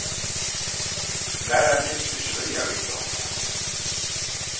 lærarin tyktist ikki vilja vita um tað